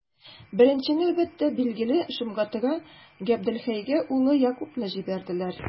Беренче нәүбәттә, билгеле, Шомгатыга, Габделхәйгә улы Якубны җибәрде.